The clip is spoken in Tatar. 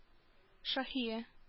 Шаһия